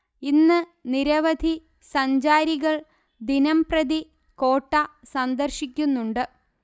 ഇന്ന് നിരവധി സഞ്ചാരികൾ ദിനം പ്രതി കോട്ട സന്ദർശിക്കുന്നുണ്ട്